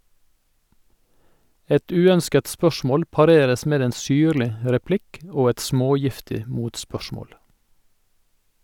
Et uønsket spørsmål pareres med en syrlig replikk og et smågiftig motspørsmål.